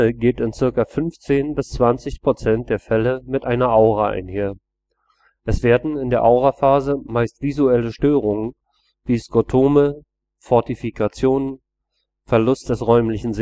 geht in ca. 15 bis 20 % der Fälle mit einer Aura einher. Es werden in der Auraphase meist visuelle Störungen, wie Skotome, Fortifikationen, Verlust des räumlichen